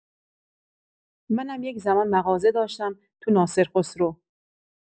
منم یه زمان مغازه داشتم تو ناصرخسرو.